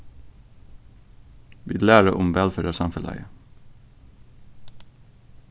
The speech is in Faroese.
vit læra um vælferðarsamfelagið